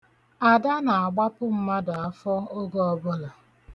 Ada na-agbapụ mmadụ afọ oge ọbụla.